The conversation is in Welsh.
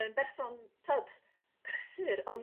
yn berson t'od prysur ond...